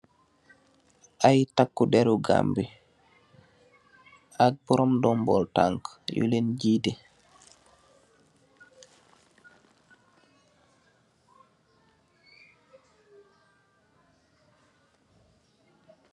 Ay taku deru Gambi, ak borom ndombol tank yu leen jiiteh.